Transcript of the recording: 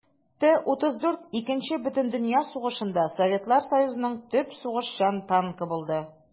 Т-34 Икенче бөтендөнья сугышында Советлар Союзының төп сугышчан танкы булды.